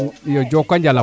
iyo jokonjal a paax